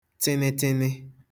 tịnịtịnị